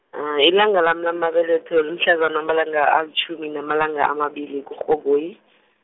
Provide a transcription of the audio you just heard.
ilanga lami lamabeletho limhlazana amalanga alitjhumi namalanga amabili kuRhoboyi.